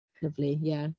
Lyfli, ie.